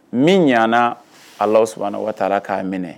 Min ɲana asumana waati taara k'a minɛ